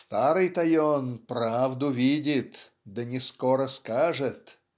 старый Тойон правду видит, да не скоро скажет